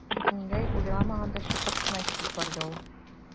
Бөтенләй уйламаганда шыпырт кына китеп барды ул.